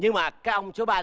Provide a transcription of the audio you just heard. nhưng mà cái ông số ba